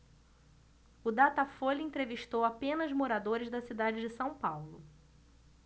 o datafolha entrevistou apenas moradores da cidade de são paulo